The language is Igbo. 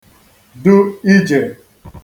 du ijè